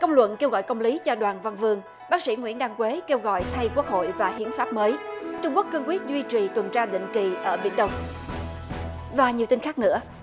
công luận kêu gọi công lý cho đoàn văn vươn bác sĩ nguyễn đăng quế kêu gọi thay quốc hội và hiến pháp mới trung quốc kiên quyết duy trì tuần tra định kỳ ở biển đông và nhiều tin khác nữa